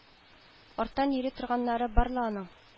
Арттан йөри торганнары бар ла аның